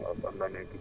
waaw fan la nekk